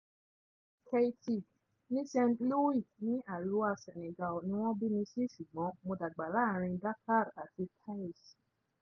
Keyti : ní Saint-Louis ní àríwá Senegal ni wọ́n bí mi sí ṣùgbọ́n mo dàgbà láàárín Dakar àti Thiès.